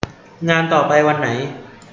งานต่อไปวันไหน